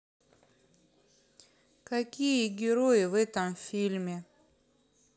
какие герои в этом фильме